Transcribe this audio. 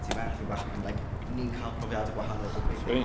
Ti'n merch, fi'n bachgen like ni'n cael profiadau gwahanol o beth yw...